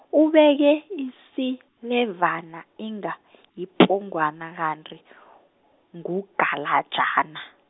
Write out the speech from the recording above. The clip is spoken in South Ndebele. ubeke isilevana, inga , yipongwana, kanti , ngugalajana.